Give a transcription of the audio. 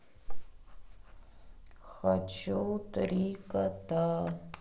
хочу три кота